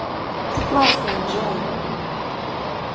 ты классная джой